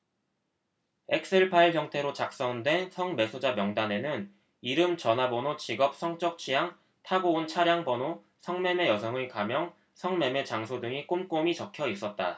엑셀파일 형태로 작성된 성매수자 명단에는 이름 전화번호 직업 성적 취향 타고 온 차량 번호 성매매 여성의 가명 성매매 장소 등이 꼼꼼히 적혀 있었다